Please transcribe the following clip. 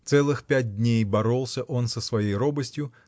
Целых пять дней боролся он со своею робостью